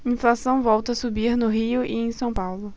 inflação volta a subir no rio e em são paulo